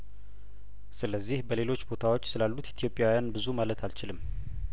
ስለዚህ በሌሎች ቦታዎች ስላሉት ኢትዮጵያዊያን ብዙ ማለት አልችልም